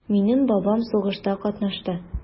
Минем бабам сугышта катнашты.